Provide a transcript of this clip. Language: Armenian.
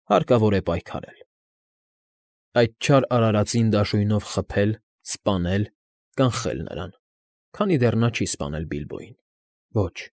Հարկավոր է պայքարել։ Այդ չար արարածին դաշույնով խփել, սպանել, կանխել նրան, քանի դեռ նա չի սպանել Բիլբոյին։ Ոչ։